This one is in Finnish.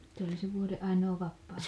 se oli se vuoden ainoa vapaa